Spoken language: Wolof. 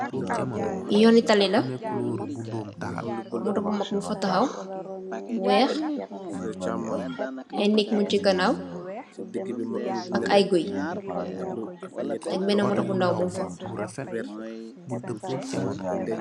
Yooni taly la, moto bu mag mungfa taxaaw, bu weex, ay neeg mung si ganaaw, ak ay guy, ak benne moto bu ndaw mung fa.